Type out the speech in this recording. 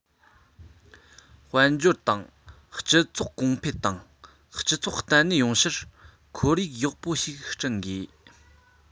དཔལ འབྱོར དང སྤྱི ཚོགས གོང སྤེལ དང སྤྱི ཚོགས བརྟན གནས ཡོང ཕྱིར ཁོར ཡུག ཡག པོ ཞིག བསྐྲུན དགོས